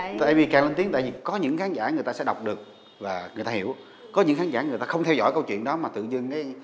tại vì càng lên tiếng tại vì có những khán giả người ta sẽ đọc được và người ta hiểu có những khán giả người ta không theo dõi câu chuyện đó mà tự dưng cái